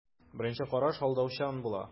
Беренче караш алдаучан була.